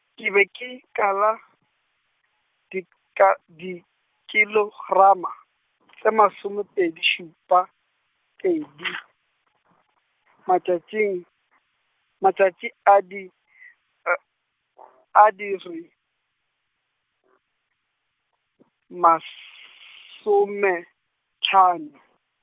ke be ke kala, dika, dikilogramo, tše masomepedi šupa, pedi, matšatšing, matšatši a di , a di re , mas- -somehlano.